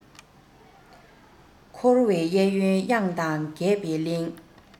འཁོར བའི གཡས གཡོན གཡང དང གད པའི གླིང